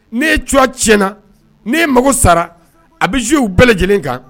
N'e cuwa tiɲɛna n'e mago sara a bɛ joué u bɛɛ lajɛlen kan